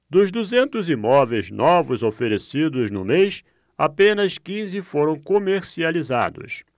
dos duzentos imóveis novos oferecidos no mês apenas quinze foram comercializados